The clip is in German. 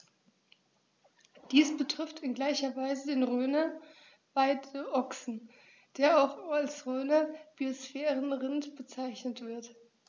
Dies betrifft in gleicher Weise den Rhöner Weideochsen, der auch als Rhöner Biosphärenrind bezeichnet wird.